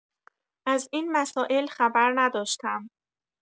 از این مسائل خبر نداشتم.